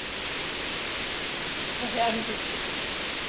Vorheriges bitte.